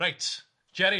Reit, Jerry.